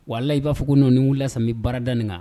Walahi i b'a fɔ ko ni nin wuli la sisan n bɛ baara da nin kan.